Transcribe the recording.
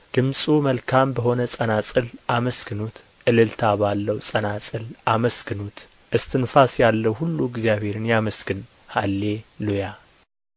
ድምፁ መልካም በሆነ ጸናጽል አመስግኑት እልልታ ባለው ጸናጽል አመስግኑት እስትንፋስ ያለው ሁሉ እግዚአብሔርን ያመስግን ሃሌ ሉያ